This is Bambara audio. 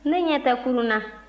ne ɲɛ tɛ kurun na